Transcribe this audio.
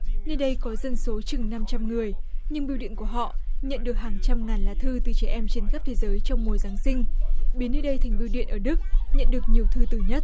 nơi đây có dân số chừng năm trăm người nhưng bưu điện của họ nhận được hàng trăm ngàn lá thư từ trẻ em trên khắp thế giới trong mùa giáng sinh biến nơi đây thành bưu điện ở đức nhận được nhiều thư từ nhất